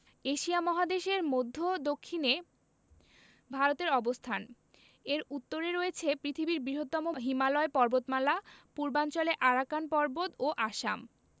Asia মহাদেশের মদ্ধ্য দক্ষিনে ভারতের অবস্থান এর উত্তরে রয়েছে পৃথিবীর বৃহত্তম হিমালয় পর্বতমালা পূর্বাঞ্চলে আরাকান পর্বত ও আসাম